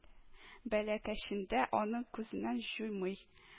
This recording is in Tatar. Бәләкәчендә, аны күзеннән җуймый